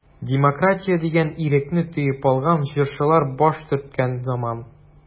Демократия дигән ирекне тоеп алган җырчылар баш төрткән заман.